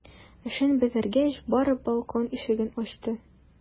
Эшен бетергәч, барып балкон ишеген ачты.